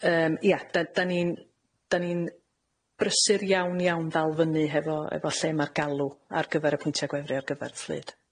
Yym ia, 'da- 'da ni'n- 'da ni'n brysur iawn iawn ddal fyny hefo efo lle ma'r galw ar gyfer y pwyntia gwefru ar gyfer fflyd.